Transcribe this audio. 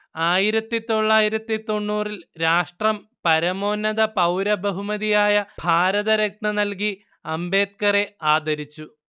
ആയിരത്തിതൊള്ളായിരത്തിത്തൊണ്ണൂറിൽ രാഷ്ട്രം പരമോന്നത പൗരബഹുമതിയായ ഭാരതരത്ന നല്കി അംബേദ്കറെ ആദരിച്ചു